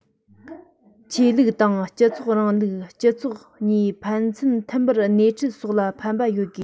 ཆོས ལུགས དང སྤྱི ཚོགས རིང ལུགས སྤྱི ཚོགས གཉིས ཕན ཚུན མཐུན པར སྣེ ཁྲིད སོགས ལ ཕན པ ཡོད དགོས